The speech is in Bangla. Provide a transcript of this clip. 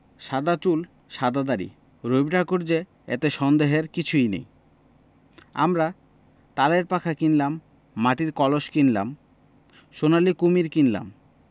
সাদা চুল সাদা দাড়ি রবিঠাকুর যে এতে সন্দেহের কিছুই নেই আমরা তালের পাখা কিনলাম মার্টির কলস কিনলাম সোলার কুমীর কিনলীম